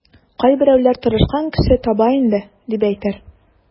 Кайберәүләр тырышкан кеше таба инде, дип әйтер.